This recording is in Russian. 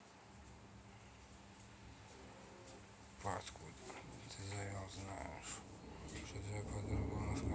no откуда ты завел знаешь что тебе по другому сказать надо